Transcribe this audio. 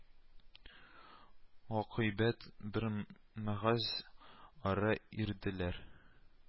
Гакыйбәт бер мәгазъ арә ирделәр